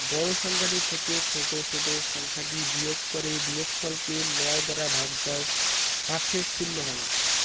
বড় সংখ্যাটি থেকে ছোট ছোট সংখ্যাটি বিয়োগ করে বিয়োগফলকে ৯ দ্বারা ভাগ দাও ভাগশেষ শূন্য হবে